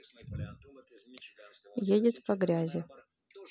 едет по грязи